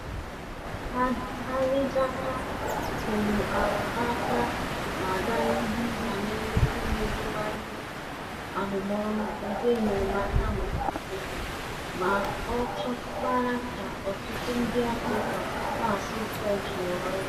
Na TED, Harinjaka hụrụ arụmụka na-aga n'ihu banyere imeziwanye arụmọrụ nke enyemaka maka Afrịka ma ọ chọkwara ka ọtụtụ ndị Afrịka na-asụ French nọrọ ya.